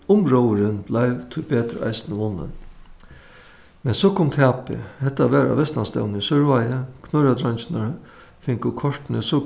umróðurin bleiv tíbetur eisini vunnin men so kom tapið hetta var á vestanstevnu í sørvági knørradreingirnir fingu kortini so